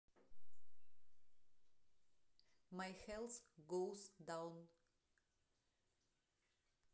май хелс гоус даун